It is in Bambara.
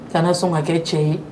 Ka na sɔn ka kɛ cɛ ye